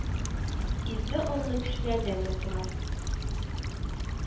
Изге анлы кешеләрдән дә тора